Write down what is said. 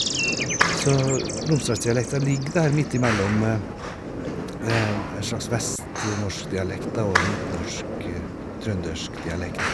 Så Romsdals-dialekta ligger der midt i mellom v en slags vestnorsk dialekt, da, og en midtnorsk, trøndersk, dialekt.